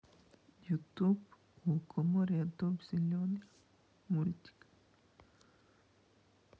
ютуб у лукоморья дуб зеленый мультик